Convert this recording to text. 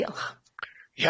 Diolch.